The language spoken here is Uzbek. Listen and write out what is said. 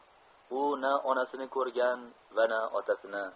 u na onasini ko'rgan va na otasini